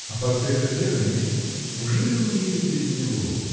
А портрета Веры нет: ужели он уедет без него?.